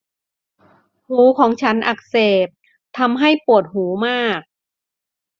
หูของฉันอักเสบทำให้ปวดหูมาก